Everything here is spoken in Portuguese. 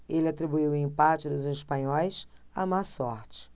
ele atribuiu o empate dos espanhóis à má sorte